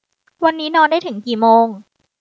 วันนี้นอนได้ถึงกี่โมง